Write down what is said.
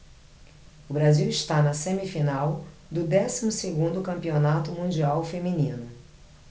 o brasil está na semifinal do décimo segundo campeonato mundial feminino